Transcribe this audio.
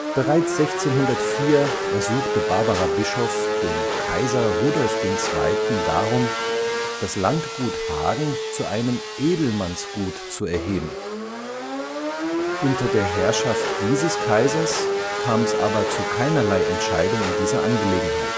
Bereits 1604 ersuchte Barbara Bischof den Kaiser Rudolf II. darum, das Landgut Hagen zu einem Edelmannsgut zu erheben. Unter der Herrschaft dieses Kaisers kam es aber zu keinerlei Entscheidung in dieser Angelegenheit